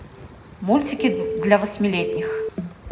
мультики для восьмилетних